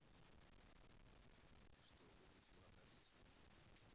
ты что выключила алису